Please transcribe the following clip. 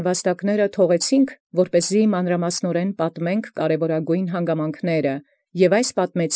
Արգասեաւք սրբոցն՝ առ ի մանրակրկիտ առնելոյ զկարևորագոյնս պատմելոյ զհանգամանս։